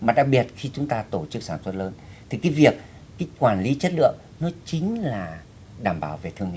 mặt đặc biệt khi chúng ta tổ chức sản xuất lớn thì cái việc quản lý chất lượng nó chính là đảm bảo về thương hiệu